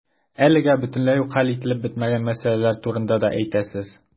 Әлегә бөтенләй үк хәл ителеп бетмәгән мәсьәләләр турында да әйтәсез.